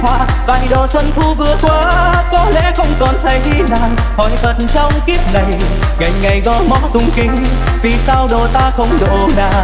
vài độ xuân thu vừa qua có lẽ không còn thấy nàng hỏi phật trong kiếp này ngày ngày gõ mõ tụng kinh vì sao độ ta không độ nàng